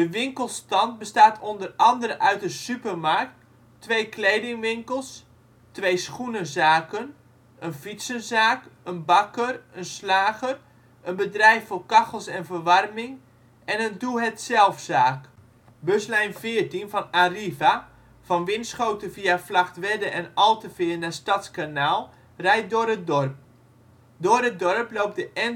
winkelstand bestaat onder andere uit een supermarkt, twee kledingwinkels, twee schoenenzaken, een fietsenzaak, een bakker, een slager, een bedrijf voor kachels en verwarming en een doe-het-zelfzaak. Buslijn 14 van Arriva van Winschoten via Vlagtwedde en Alteveer naar Stadskanaal rijdt door het dorp. Door het dorp loopt de N 365